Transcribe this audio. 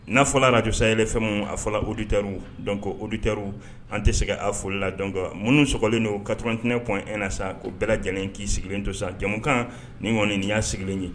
N'a fɔra latisa yɛrɛ fɛn min a fɔra odite dɔn oditeruru an tɛ se a foli la dɔn kan minnu slen don katt kɔn e na sa ko bɛɛ lajɛlen k'i sigilen to san jamukan nin kɔniɔni y'a sigilen ye